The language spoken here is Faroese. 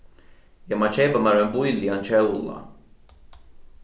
eg má keypa mær ein bíligan kjóla